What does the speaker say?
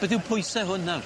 Beth yw pwyse hwn nawr?